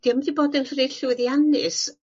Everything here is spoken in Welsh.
'di o'm 'di bod yn rhy llwyddiannus